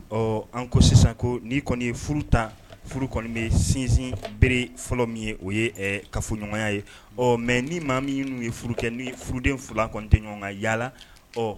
Ɔɔ an ko sisan koo n'i kɔni yee furu ta furu kɔni be sinsin bere fɔlɔ min ye o ye ɛɛ kafoɲɔŋɔya ye ɔ mais ni maa min yinu ye furu kɛ ni f furuden 2 kɔni te ɲɔŋɔn ŋan yalaa ɔ